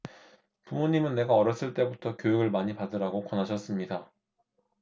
부모님은 내가 어렸을 때부터 교육을 많이 받으라고 권하셨습니다